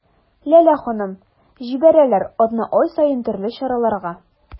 Ләлә ханым: җибәрәләр атна-ай саен төрле чараларга.